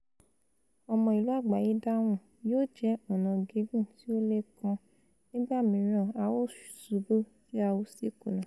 Ọmọ ìlú àgbáyé dáhùn: ''Yóò jẹ́ ọ̀nà gígùn tí ó le kan - nígbà mìíràn a ó súbu tí a ó sì kùnà.